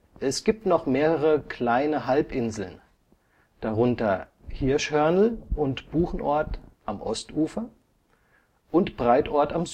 Es gibt noch mehrere kleine Halbinseln, darunter Hirschhörnl und Buchenort am Ostufer und Breitort am